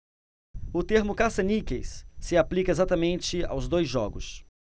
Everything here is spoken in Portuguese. o termo caça-níqueis se aplica exatamente aos dois jogos